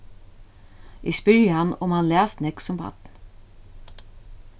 eg spyrji hann um hann las nógv sum barn